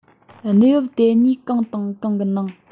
གནས བབ དེ གཉིས གང དང གང གི ནང